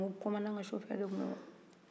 an n'a tun tɛ a be don su a be bɔ su